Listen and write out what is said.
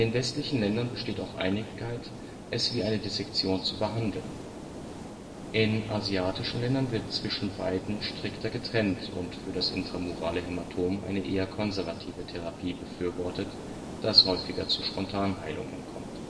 westlichen Ländern besteht auch Einigkeit, es wie eine Dissektion zu behandeln. In asiatischen Ländern wird zwischen beiden strikter getrennt und für das IMH eine eher konservative Therapie befürwortet, da es häufiger zu Spontanheilungen kommt